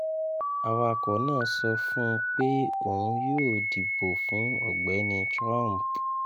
Awakọ naa sọ fun un pe oun yoo dibo fun Ọgbẹni Trump.